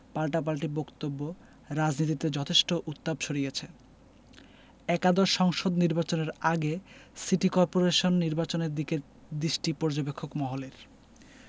পাল্টাপাল্টি বক্তব্য রাজনীতিতে যথেষ্ট উত্তাপ ছড়িয়েছে একাদশ সংসদ নির্বাচনের আগে সিটি করপোরেশন নির্বাচনের দিকে দৃষ্টি পর্যবেক্ষক মহলের